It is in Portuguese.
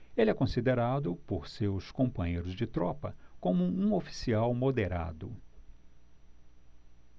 ele é considerado por seus companheiros de tropa como um oficial moderado